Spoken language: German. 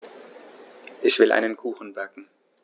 Ich will einen Kuchen backen.